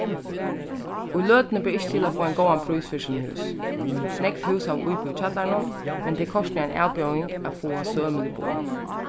í løtuni ber ikki til at fáa ein góðan prís fyri síni hús nógv hús hava íbúð í kjallaranum men tað er kortini ein avbjóðing at fáa sømilig boð